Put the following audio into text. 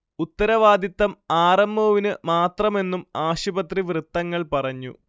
ഉത്തരവാദിത്തം R. M. ഒവിനു മാത്രമെന്നും ആശുപത്രി വൃത്തങ്ങൾ പറഞ്ഞു